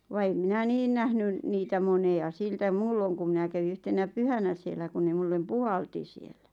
vaan en minä niin nähnyt niitä montaa siltä muulloin kun minä kävin yhtenä pyhänä siellä kun ne minulle puhalsi siellä